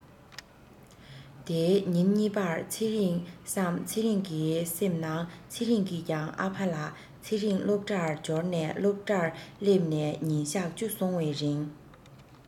དེའི ཉིན གཉིས པར ཚེ རིང བསམ ཚེ རིང གི སེམས ནང ཚེ རིང གིས ཀྱང ཨ ཕ ལ ཚེ རིང སློབ གྲྭར འབྱོར ནས སློབ གྲྭར སླེབས ནས ཉིན གཞག བཅུ སོང བའི རིང